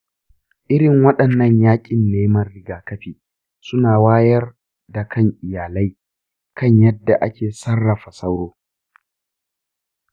irin waɗannan yaƙin neman rigakafi suna wayar da kan iyalai kan yadda ake sarrafa sauro.